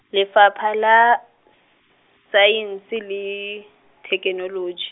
Lefapha la, s- Saense le, Thekenoloji.